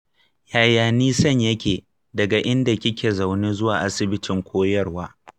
yaya nisan yake daga inda kike zaune zuwa asibitin koyarwa?